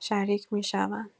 شریک می‌شوند.